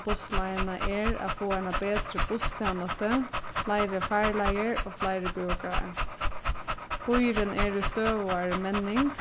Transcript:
bussleiðina er at fáa eina betri busstænastu fleiri farleiðir og fleiri brúkarar býurin er í støðugari menning